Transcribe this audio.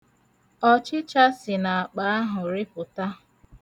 Ọchịcha si n'akpa ahụ rịpụta.